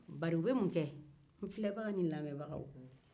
bari u bɛ mun kɛ n filɛbaga ni n lamɛnbagaw